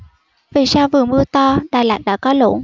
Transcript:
vì sao vừa mưa to đà lạt đã có lũ